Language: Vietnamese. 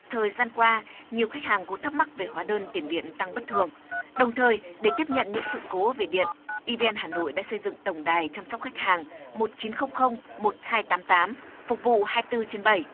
thời gian qua nhiều khách hàng cũng thắc mắc về hóa đơn tiền điện tăng bất thường đồng thời để tiếp nhận những sự cố về điện i vê en hà nội đã xây dựng tổng đài chăm sóc khách hàng một chín không không một hai tám tám phục vụ hai tư trên bảy